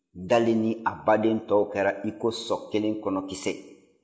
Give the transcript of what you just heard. ntalen ni a baden tɔw kɛra iko so kelen kɔnɔ kisɛ